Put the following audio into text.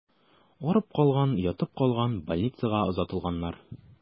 Арып калган, ятып калган, больницага озатылганнар.